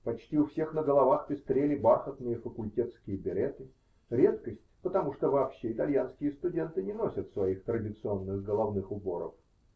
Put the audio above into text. Почти у всех на головах пестрели бархатные факультетские береты: редкость, потому что вообще итальянские студенты не носят своих традиционных головных уборов.